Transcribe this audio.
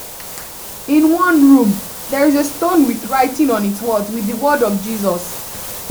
In one room, there's a stone with writing on it with the words of Jesus.